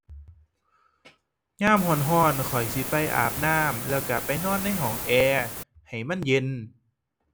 ยามร้อนร้อนข้อยสิไปอาบน้ำแล้วร้อนไปนอนในห้องแอร์ ให้มันเย็น